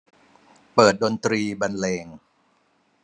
เปิดดนตรีบรรเลง